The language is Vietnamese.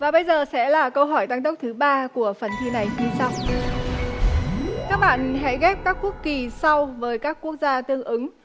và bây giờ sẽ là câu hỏi tăng tốc thứ ba của phần thi này như sau các bạn hãy ghép các quốc kỳ sau với các quốc gia tương ứng